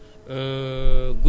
ci pour sama stock bi